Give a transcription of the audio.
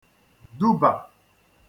dubà